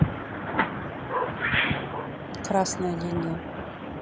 красная линия